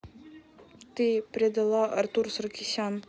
ты предала артур саркисян